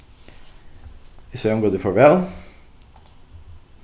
eg segði ongantíð farvæl